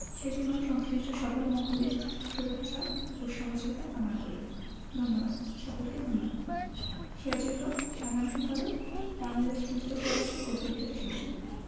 সেজন্য সংশ্লিষ্ট সকল মহলের শুভেচ্ছা ও সহযোগিতা কামনা করি ধন্যবাদ সকলকে ধন্যবাদ সেরাজুল হক বাংলাদেশ পুস্তক প্রকাশক ও বিক্রেতা সমিতি